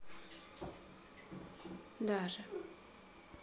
даже